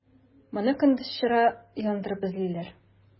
Моны көндез чыра яндырып эзлиләр.